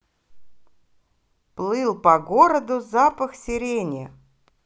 плыл по городу запах сирени